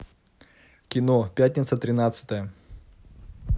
кино пятница тринадцатое